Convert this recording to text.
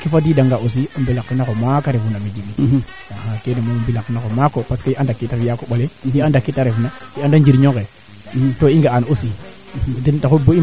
o qol fo o qolo ndaa o ndeeta ngaan ten moƴu mat le faite que o retaa maana o yip meeke ten moƴ mat to comme andaa ye ala kuli aal a pifiina tarde anga rek Djiby